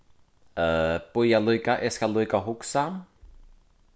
øh bíða líka eg skal líka hugsa